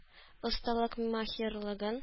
Осталык-маһирлыгын